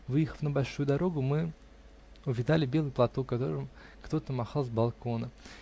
Выехав на большую дорогу, мы увидали белый платок, которым кто-то махал с балкона.